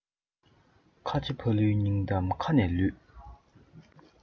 ཁ ཆེ ཕ ལུའི སྙིང གཏམ ཁ ནས ལུད